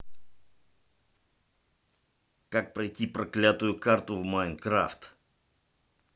как пройти проклятую карту в minecraft